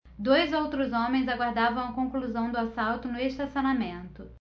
dois outros homens aguardavam a conclusão do assalto no estacionamento